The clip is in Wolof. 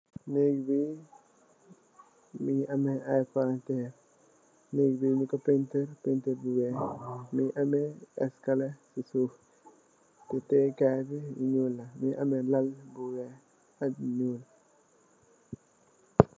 Neeg bi mogi ameh ay palanterr neeg bi nung ko painturr painturr bu weex neeg bi mogi am eskale si suuf tiyeh kai bi nuul la mogi ameh laal bu weex ak nuul.